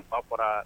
Ba fɔra